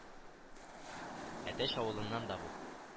Әтәч авылыннан да бу